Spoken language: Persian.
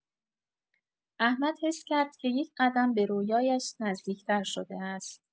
احمد حس کرد که یک‌قدم به رویایش نزدیک‌تر شده است.